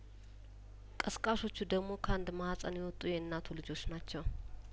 ቀስቃሾቹ ደግሞ ከአንድ ማህጸን የወጡ የና ቱ ልጆች ናቸው